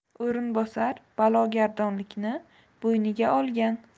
o'rinbosar balogardonlikni bo'yniga olgan